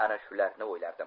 ana shularni o'ylardim